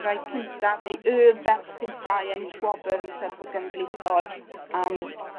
rai cynta neu y ferch cynta i enill gwobyr yn Eisteddfod Genedlaethol am